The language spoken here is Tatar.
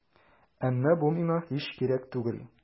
Әмма бу миңа һич кирәк түгел.